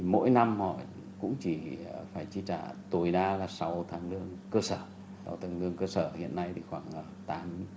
mỗi năm họ cũng chỉ phải chi trả tối đa là sáu tháng lương cơ sở sáu tháng lương cơ sở hiện nay thì khoảng tám